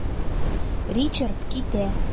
Ричард китә.